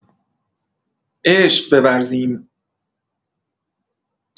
عشق بورزیم.